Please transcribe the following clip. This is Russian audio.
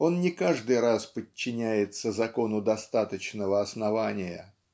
он не каждый раз подчиняется закону достаточного основания.